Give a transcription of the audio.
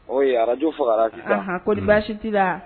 wai radio fagara sisan . Anhan kori baasi ti la?